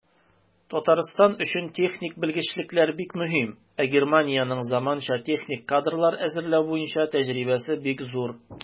Татарстан өчен техник белгечлекләр бик мөһим, ә Германиянең заманча техник кадрлар әзерләү буенча тәҗрибәсе бик зур.